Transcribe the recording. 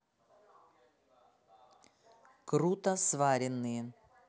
круто сваренные